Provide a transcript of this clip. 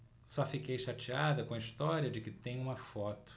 só fiquei chateada com a história de que tem uma foto